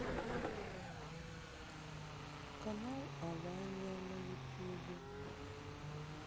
канал алания на ютюбе